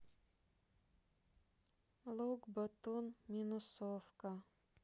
лук батун минусовка